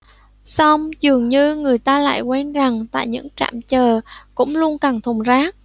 song dường như người ta lại quên rằng tại những trạm chờ cũng luôn cần thùng rác